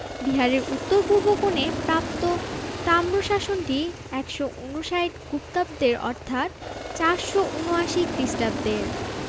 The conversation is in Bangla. বিহারের উত্তর পূর্ব কোণে প্রাপ্ত তাম্রশাসনটি ১৫৯ গুপ্তাব্দের অর্থাৎ ৪৭৯ খ্রিস্টাব্দের